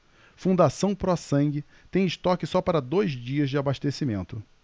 fundação pró sangue tem estoque só para dois dias de abastecimento